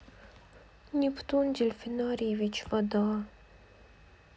нептун дельфинариевич вода